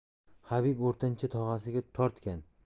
habib o'rtancha tog'asiga tortgan